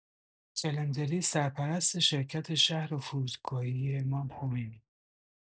چلندری، سرپرست شرکت شهر فرودگاهی امام‌خمینی